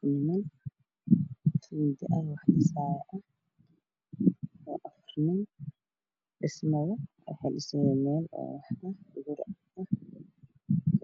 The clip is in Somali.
Guriga waxaa yaalo miiska qadasa oo labo dhinac ah io xijaab madow wadata saacad